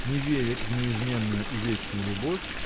не верит в неизменную и вечную любовь